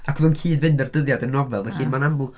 Ac oedd o'n cyd-fynd â dyddiad y nofel, felly mae'n amlwg...